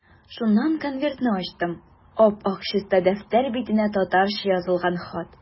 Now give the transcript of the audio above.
Шуннан конвертны ачтым, ап-ак чиста дәфтәр битенә татарча язылган хат.